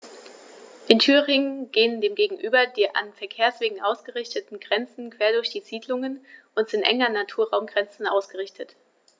In Thüringen gehen dem gegenüber die an Verkehrswegen ausgerichteten Grenzen quer durch Siedlungen und sind eng an Naturraumgrenzen ausgerichtet.